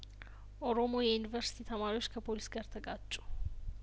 ኦሮሞ የዩኒቨርሲት ተማሪዎች ከፖሊስ ጋር ተጋጩ